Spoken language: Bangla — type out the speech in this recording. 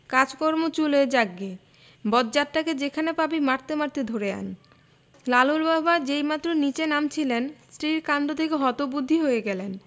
কাজকর্ম চুলোয় যাক গে বজ্জাতটাকে যেখানে পাবি মারতে মারতে ধরে আন্ লালুর বাবা যেইমাত্র নীচে নামছিলেন স্ত্রীর কাণ্ড দেখে হতবুদ্ধি হয়ে গেলেন